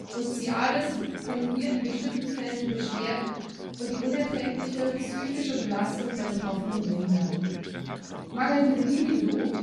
und Cialis können hier in bestimmten Fällen die Beschwerden und die unerträgliche psychische Belastung der Betroffenen lindern. Mangelnde Libido